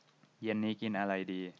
เย็นนี้กินอะไรดี